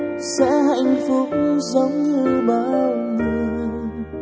sẽ hạnh phúc giống như bao người